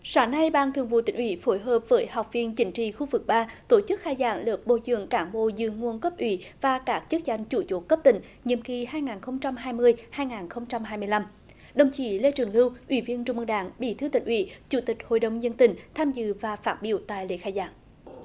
sáng nay ban thường vụ tỉnh ủy phối hợp với học viện chính trị khu vực ba tổ chức khai giảng lớp bồi dưỡng cán bộ dự nguồn cấp ủy và các chức danh chủ chốt cấp tỉnh nhiệm kỳ hai nghìn không trăm hai mươi hai ngàn không trăm hai mươi lăm đồng chí lê trường lưu ủy viên trung ương đảng bí thư tỉnh ủy chủ tịch hội đồng dân tỉnh tham dự và phát biểu tại lễ khai giảng